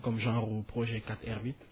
comme genre projet 4R bi